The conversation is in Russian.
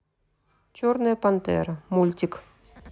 черная пантера мультик